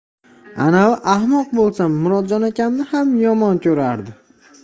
anovi ahmoq bo'lsa murodjon akamni ham yomon ko'radi